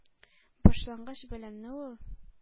Башлангыч белемне ул